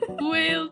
Hwyl.